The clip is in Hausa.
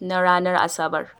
na ranar Asabar.